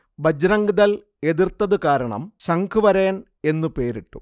ബജ്റംഗ്ദൾ എതിർത്തതുകാരണം 'ശംഖുവരയൻ' എന്ന് പേരിട്ടു